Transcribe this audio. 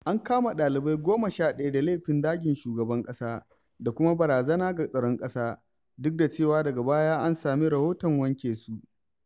An kama ɗalibai goma sha ɗaya da laifin "zagin shugaban ƙasa" da kuma "barazana ga tsaron ƙasa" duk da cewa daga baya an sami rahoton wanke su.